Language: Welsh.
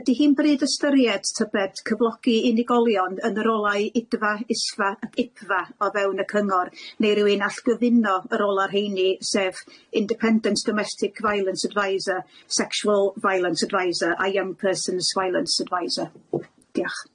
Ydi hi'n bryd ystyried tybed cyflogi unigolion yn y rolau Idfa, Isfa ac Ipfa o fewn y cyngor, neu rywun allgyfuno y rola rheini sef Independent Domestic Violence Advisor, Sexual Violence Advisor, and Young Person Violence Advisor? Dioch.